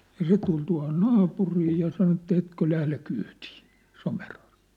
ja se tuli tuohon naapuriin ja sanoi että etkö lähde kyytiin Somerharjuun